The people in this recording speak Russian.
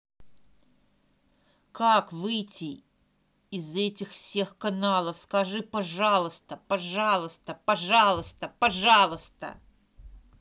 как выйти из этих всех каналов скажи пожалуйста пожалуйста пожалуйста пожалуйста